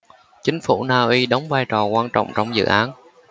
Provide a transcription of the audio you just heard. chính phủ na uy đóng vai trò quan trọng trong dự án